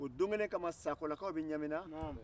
o don kelen kama sakolakaw bɛ ɲamina